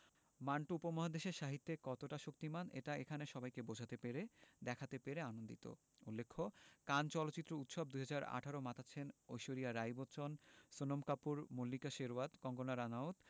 মান্টো উপমহাদেশের সাহিত্যে কতটা শক্তিমান এটা এখানে সবাইকে বোঝাতে পেরে দেখাতে পেরে আনন্দিত উল্লেখ্য কান চলচ্চিত্র উৎসব ২০১৮ মাতাচ্ছেন ঐশ্বরিয়া রাই বচ্চন সোনম কাপুর মল্লিকা শেরওয়াত কঙ্গনা রানাউত